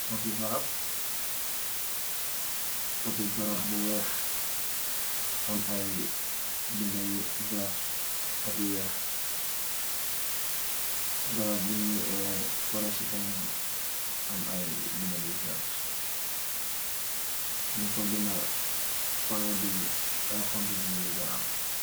poti garab bu weex am ay bindayu verte ak yu weex garab buñuy oe parasitamu am ay bindayu verte yon fa bina panodiil 500 mili gram